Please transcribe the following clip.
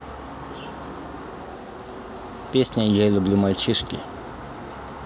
песня я люблю мальчишки